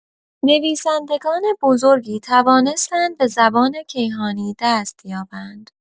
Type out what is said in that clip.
نویسندگان بزرگی توانستند به زبان کیهانی دست یابند.